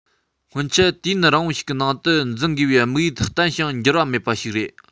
ཕྱིན ཆད དུས ཡུན རིང པོ ཞིག གི ནང དུ འཛིན དགོས པའི དམིགས ཡུལ བརྟན ཞིང འགྱུར བ མེད པ ཞིག རེད